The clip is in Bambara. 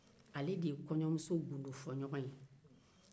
ale de ye kɔɲɔmuso gundofɔɲɔgɔn ye